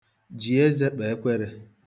ji eze kpe ekwere